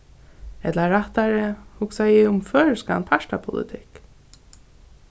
ella rættari hugsaði eg um føroyskan partapolitikk